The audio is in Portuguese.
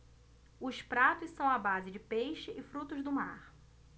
os pratos são à base de peixe e frutos do mar